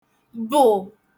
bụ̀